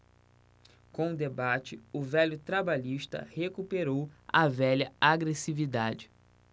com o debate o velho trabalhista recuperou a velha agressividade